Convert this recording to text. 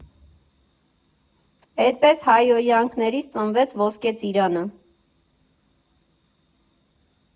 Էդպես հայհոյանքներից ծնվեց Ոսկե ծիրանը։